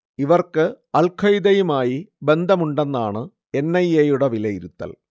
ഇവർക്ക് അൽ ഖ്വയ്ദയുമായി ബന്ധമുണ്ടെന്നാണ് എൻ. ഐ. എ യുടെ വിലയിരുത്തൽ